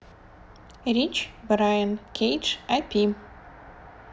rich brian кейдж апи